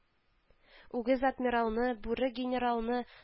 Үгез адмиралны, бүре генералны